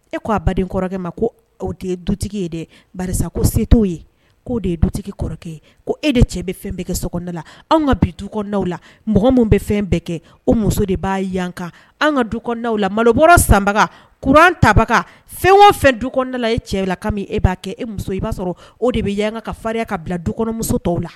E ko' a baden kɔrɔkɛ ma ko de dutigi ye dɛ ba ko se ye k'o de ye dutigi kɔrɔkɛ ye ko e de cɛ bɛ fɛn bɛɛ kɛ soda la anw ka bi duw la mɔgɔ minnu bɛ fɛn bɛɛ kɛ o muso de b'a yanka an ka duw la malobɔ sanba kuran tabaga fɛn o fɛn dula e cɛ la ka e b'a kɛ e muso i b'a sɔrɔ o de bɛ yanka ka farin ka bila dukɔnɔmuso tɔw la